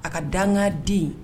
A ka danga den